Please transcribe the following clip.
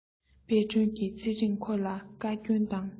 དཔལ སྒྲོན གྱི ཚེ རིང ཁོ ལ བཀའ བསྐྱོན བཏང